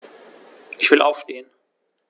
Ich will aufstehen.